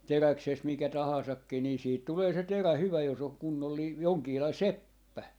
teräksestä mikä tahansakin niin siitä tulee se terä hyvä jos on kunnollinen jonkinlainen seppä